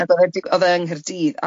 ...a odd e dig- odd e yng Nghardydd a